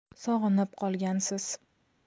sog'inib qolgansiz